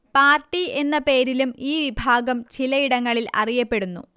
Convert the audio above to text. party എന്നീ പേരിലും ഈ വിഭാഗം ചിലയിടങ്ങളിൽ അറിയപ്പെടുന്നു